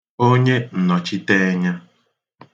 onyeǹnọ̀chiteẹ̄nyā